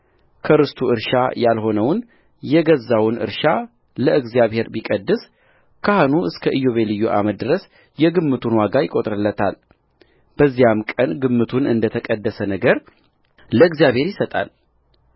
ከርስቱ እርሻ ያልሆነውን የገዛውን እርሻ ለእግዚአብሔር ቢቀድስካህኑ እስከ ኢዮቤልዩ ዓመት ድረስ የግምቱን ዋጋ ይቈጥርለታል በዚያም ቀን ግምቱን እንደ ተቀደሰ ነገር ለእግዚአብሔር ይሰጣል